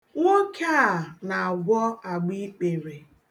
Nwoke a na-agwọ agbaikpere.